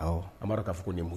Anba k'a fɔ ko ninbugu